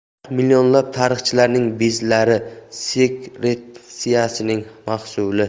tarix millionlab tarixchilarning bezlari sekretsiyasining mahsuli